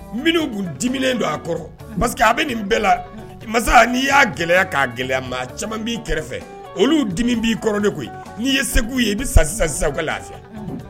N dimina don a kɔrɔ parce a bɛ nin bɛɛ la masa n'i y'a gɛlɛya k'a gɛlɛya maa caman'i kɛrɛfɛ olu dimi b'i kɔrɔ de koyi n'i ye segu ye i bɛ sa sisan sisan ka lafi